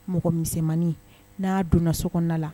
Mɔgɔ mimaninin n'a donna soda la